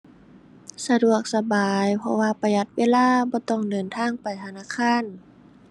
สะดวกสบาย เพราะว่าประหยัดเวลาบ่ต้องเดินทางไปธนาคาร